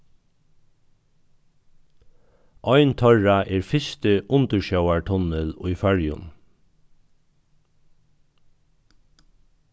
ein teirra er fyrsti undirsjóvartunnil í føroyum